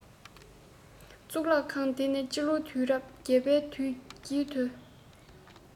གཙུག ལག ཁང དེ ནི སྤྱི ལོའི དུས རབས ༨ པའི དུས དཀྱིལ དུ